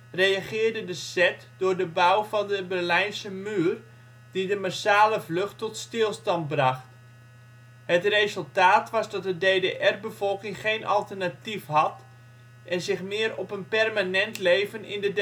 reageerde de SED door de bouw van de Berlijnse Muur, die de massale vlucht tot stilstand bracht. Het resultaat was dat de DDR-bevolking geen alternatief had en zich meer op een permanent leven in de